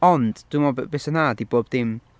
Ond dwi'n meddwl b- be sy'n dda ydy bod dim...